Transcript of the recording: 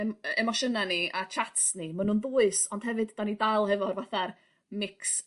em- emosiyna ni a chats ni ma' nhw'n dwys ond hefyd 'dan ni dal hefo fatha'r mix